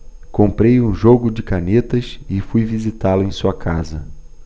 comprei um jogo de canetas e fui visitá-lo em sua casa